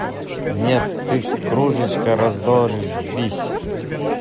нет ты кружечка раздолбись